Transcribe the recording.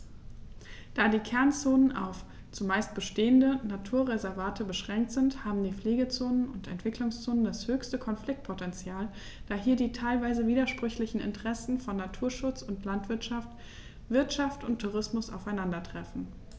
Da die Kernzonen auf – zumeist bestehende – Naturwaldreservate beschränkt sind, haben die Pflegezonen und Entwicklungszonen das höchste Konfliktpotential, da hier die teilweise widersprüchlichen Interessen von Naturschutz und Landwirtschaft, Wirtschaft und Tourismus aufeinandertreffen.